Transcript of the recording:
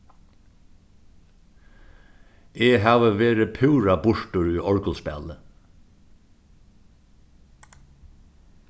eg havi verið púra burtur í orgulspæli